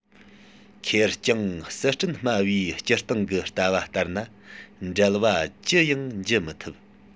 ཁེར རྐྱང གསར སྐྲུན སྨྲ བའི སྤྱིར བཏང གི ལྟ བ ལྟར ན འགྲེལ བ ཅི ཡང བགྱི མི ཐུབ